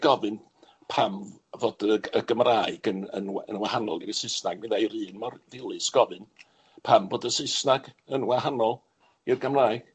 gofyn pam fod y G- y Gymraeg yn yn w- yn wahanol i'r Sysnag, byddai'r un mor ddilys gofyn pam bod y Saesnag yn wahanol i'r Gymraeg?